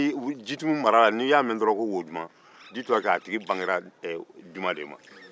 jitumu mara la n'i y'a mɛn dɔrɔn ko wojuma a fo k'a tigi bangera juma